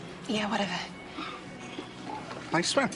Ie whatever. Nice one.